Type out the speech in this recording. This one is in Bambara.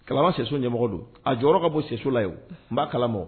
Kalama soso ɲɛmɔgɔ don a jɔyɔrɔ ka bɔ soso la n'a kala mɔ